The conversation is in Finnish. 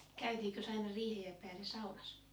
käytiinkös aina riihen päälle saunassa